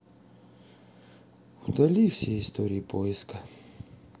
удали всю историю поиска